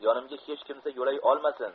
yonimga hech kimsa yo'lay olmasin